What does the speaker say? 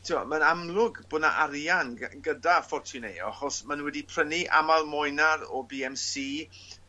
t'wo mae'n amlwg bo' 'na arian gy- gyda Fortuneia achos ma' n'w wedi prynu o Bee Em See.